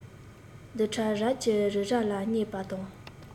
རྡུལ ཕྲ རབ ཀྱིས རི རབ ལ བསྙེགས པ དང